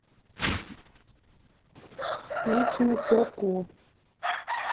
песню ко ко